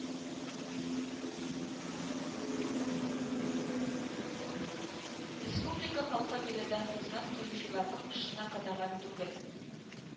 Республика халкы биредә хезмәт куючыларның эшенә канәгать түгел